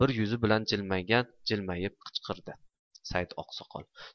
bir yuzi bilan jilmayib qichqirdi saidoqsoqol